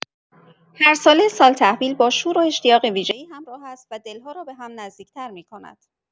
هرساله، سال‌تحویل با شور و اشتیاق ویژه‌ای همراه است و دل‌ها را به هم نزدیک‌تر می‌کند.